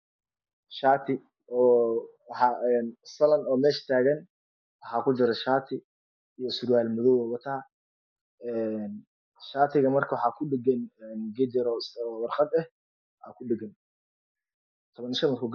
Shaati oo waxaa een sanam oo mesha tagan waxa ku dhexjiro shaati iyo surwaal madoow uu wataa shatiga waxaa kudhegan geed yar ooo warqad ah aa ku dhegan